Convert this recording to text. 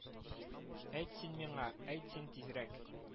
Әйт син миңа, әйт син тизрәк: